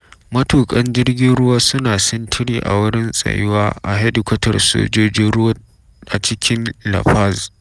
Matuƙan jirgin ruwa suna sintiri a wurin tsayuwa na hedikwatar sojojin ruwa a cikin La Paz.